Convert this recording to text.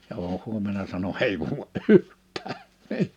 ja - huomenna sanoi ei vuoda yhtään